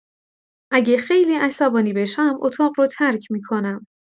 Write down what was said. اگه خیلی عصبانی بشم، اتاق رو ترک می‌کنم.